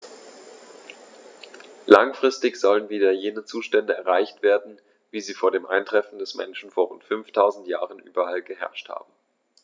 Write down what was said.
Langfristig sollen wieder jene Zustände erreicht werden, wie sie vor dem Eintreffen des Menschen vor rund 5000 Jahren überall geherrscht haben.